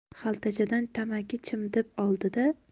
xaltachadan tamaki chimdib oldi da